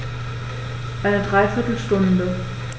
Eine dreiviertel Stunde